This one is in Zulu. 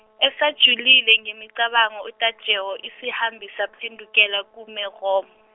esajulile ngemicabango uTajewo isihambi saphendukela kuMeromo.